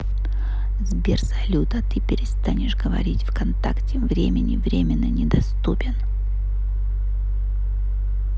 сбер салют а ты перестанешь говорить в контакте времени временно недоступен